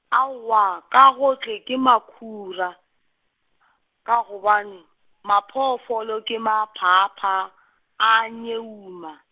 aowa ka gohle ke mokhora, ka gobane, maphoofolo ke maphaaphaa, a nyeuma.